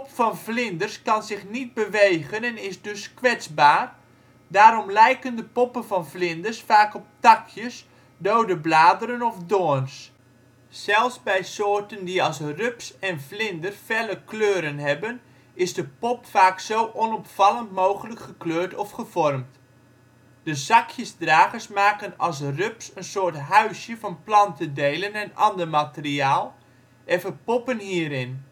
van vlinders kan zich niet bewegen en is dus kwetsbaar, daarom lijken de poppen van vlinders vaak op takjes, dode bladeren of doorns. Zelfs bij soorten die als rups en vlinder felle kleuren hebben is de pop vaak zo onopvallend mogelijk gekleurd of gevormd. De zakjesdragers maken als rups een soort huisje van plantendelen en ander materiaal, en verpoppen hierin